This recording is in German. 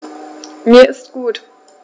Mir ist gut.